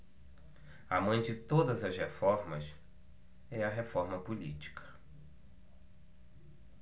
a mãe de todas as reformas é a reforma política